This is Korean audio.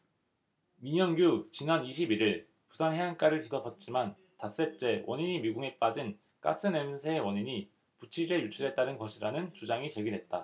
민영규 지난 이십 일 일 부산 해안가를 뒤덮었지만 닷새째 원인이 미궁에 빠진 가스 냄새의 원인이 부취제 유출에 따른 것이라는 주장이 제기됐다